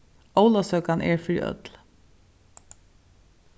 ólavsøkan er fyri øll